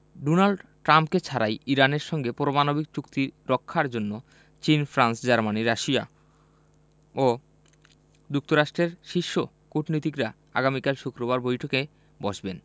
Donald ট্রাম্পকে ছাড়াই ইরানের সঙ্গে পারমাণবিক চুক্তি রক্ষার জন্য চীন ফ্রান্স জার্মানি রাশিয়া ও যুক্তরাষ্টের শীর্ষ কূটনীতিকরা আগামীকাল শুক্রবার বৈঠকে বসবেন